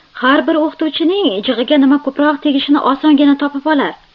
har bir o'qituvchining jig'iga nima ko'proq tegishini osongina topib olar